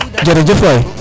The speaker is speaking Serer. jerejef waay